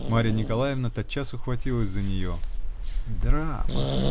Марья Николаевна тотчас ухватилась за нее. -- Драма!